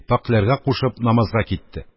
Пакьләргә кушып, намазга китте.